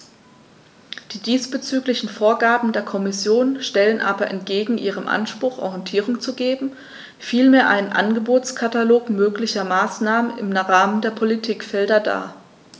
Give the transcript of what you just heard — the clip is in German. Die diesbezüglichen Vorgaben der Kommission stellen aber entgegen ihrem Anspruch, Orientierung zu geben, vielmehr einen Angebotskatalog möglicher Maßnahmen im Rahmen der Politikfelder dar.